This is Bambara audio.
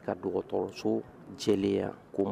Ka dɔgɔtɔrɔso jɛya ko